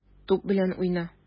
Туп белән уйна.